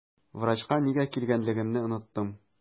Врачка нигә килгәнлегемне оныттым.